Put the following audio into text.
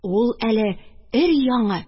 Ул әле өр-яңы!